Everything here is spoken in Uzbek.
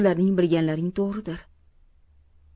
bilganlaring to'g'ridir